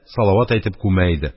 Салават әйтеп күмә иде.